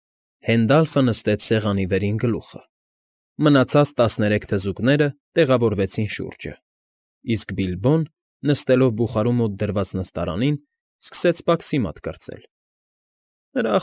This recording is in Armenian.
Հենդալֆը նստեց սեղանի վերին գլուխը, մնացած տասներեք թզուկները տեղավորվեցին շուրջը, իսկ Բիլբոն, նստելով բուխարու մոտ դրված նստարանին, սկսեց պաքսիմատ կրծել (նրա։